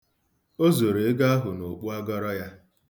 O zoro ego ahụ n'okpuagọrọ ya.